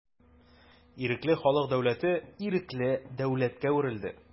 Ирекле халык дәүләте ирекле дәүләткә әверелде.